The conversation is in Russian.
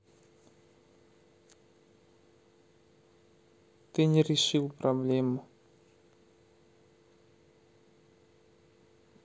ты не решил проблему